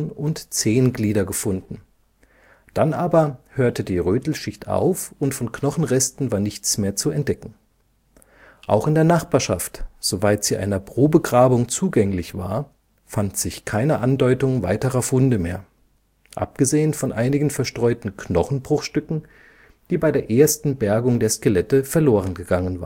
und Zehenglieder gefunden. Dann aber hörte die Rötelschicht auf und von Knochenresten war nichts mehr zu entdecken. Auch in der Nachbarschaft, soweit sie einer Probegrabung zugänglich war, fand sich keine Andeutung weiterer Funde mehr, abgesehen von einigen verstreuten Knochenbruchstücken, die bei der ersten Bergung der Skelette verloren gegangen